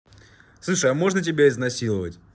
слушай а можно тебя изнасиловать